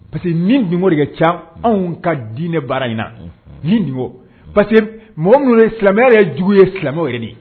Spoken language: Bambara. Parce que ni numu de kɛ ca anw ka diinɛ baara in na ni parce que mɔgɔ minnu ye silamɛ ye jugu ye silamɛw ye de